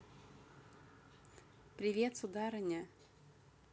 привет сударыня